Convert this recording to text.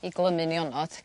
i glymu nionod